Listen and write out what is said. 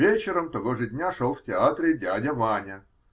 Вечером того дня шел в театре "Дядя Ваня".